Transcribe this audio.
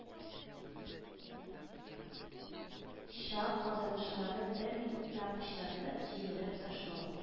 Ча казанышларны бер минутта пычратып, җимереп ташлау